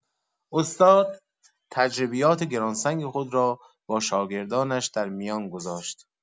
استاد، تجربیات گران‌سنگ خود را با شاگردانش در میان گذاشت.